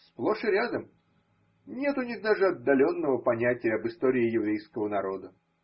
Сплошь и рядом нет у них даже отдаленного понятия об истории еврейского народа.